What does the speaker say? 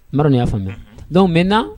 N ma y'a faamuya don mɛn na